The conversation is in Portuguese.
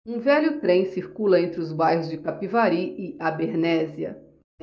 um velho trem circula entre os bairros de capivari e abernéssia